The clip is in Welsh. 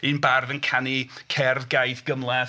Un bardd yn canu cerdd, gaeth, gymleth.